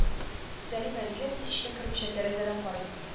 Сәлимә нигә син эчкә кермичә тәрәзәдән карыйсың